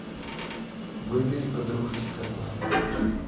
выбери подружки кота